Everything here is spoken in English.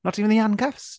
Not even the handcuffs.